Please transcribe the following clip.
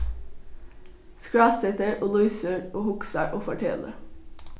skrásetir og lýsir og hugsar og fortelur